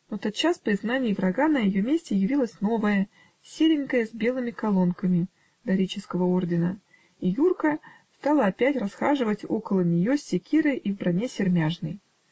Но тотчас, по изгнании врага, на ее месте явилась новая, серенькая с белыми колонками дорического ордена, и Юрко стал опять расхаживать около нее с секирой и в броне сермяжной.